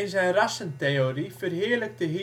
zijn rassentheorie verheerlijkte